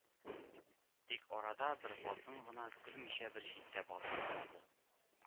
Тик арада бер хатын гына көлмичә бер читтә басып калды